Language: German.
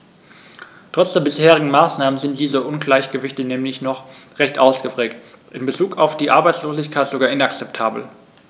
Trotz der bisherigen Maßnahmen sind diese Ungleichgewichte nämlich noch recht ausgeprägt, in bezug auf die Arbeitslosigkeit sogar inakzeptabel.